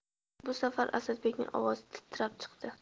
bu safar asadbekning ovozi titrab chiqdi